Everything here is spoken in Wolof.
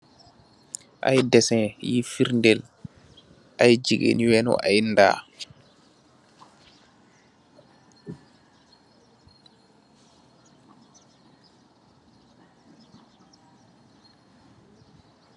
Ay deséé yuy ferdël ay gigeen yu eenu ay ndaw.